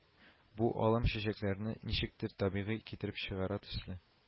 Бу алым чәчәкләрне ничектер табигый китереп чыгара төсле